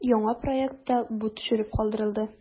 Яңа проектта бу төшереп калдырылды.